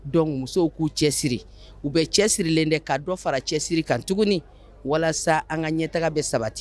Dɔnku musow k'u cɛ siri u bɛ cɛ sirilen de ka dɔ fara cɛsiri kan tuguni walasa an ka ɲɛ taga bɛ sabati